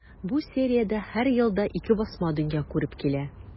Бу сериядә һәр елда ике басма дөнья күреп килә.